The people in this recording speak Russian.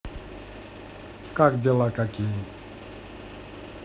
как дела какие